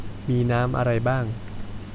มีน้ำอะไรบ้าง